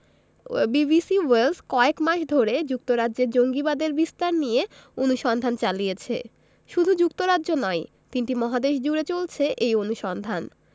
BBC Wales কয়েক মাস ধরে যুক্তরাজ্যে জঙ্গিবাদের বিস্তার নিয়ে অনুসন্ধান চালিয়েছে শুধু যুক্তরাজ্য নয় তিনটি মহাদেশজুড়ে চলেছে এই অনুসন্ধান